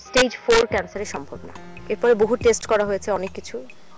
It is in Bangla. স্টেজ ফোর ক্যানসারের সম্ভাবনা এরপর বহু টেস্ট করা হয়েছে অনেক কিছু